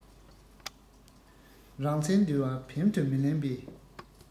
རང སེམས འདུལ བ འབེམ དུ མི ལེན པའི